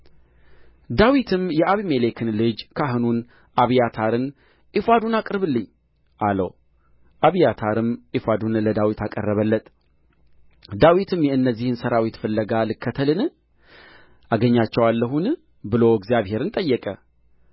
ዳዊትም የአቢሜሌክን ልጅ ካህኑን አብያታርን ኤፉዱን አቅርብልኝ አለው አብያታርም ኤፉዱን ለዳዊት አቀረበለት ዳዊትም የእነዚህን ሠራዊት ፍለጋ ልከተልን አገኛቸዋለሁን ብሎ እግዚአብሔርን ጠየቀ